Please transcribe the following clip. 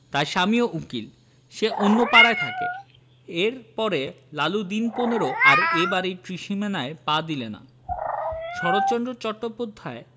তার স্বামীও উকিল সে অন্য পাড়ায় থাকেএর পরে লালু দিন পনেরো আর এ বাড়ির ত্রিসীমানায় পা দিলে না শরৎচন্দ্র চট্টোপধ্যায়